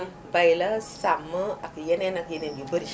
bay la sàmm ak yeneen ak yeneen yu bari